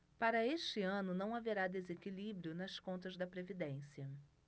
para este ano não haverá desequilíbrio nas contas da previdência